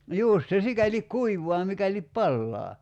just se sikäli kuivaa mikäli palaa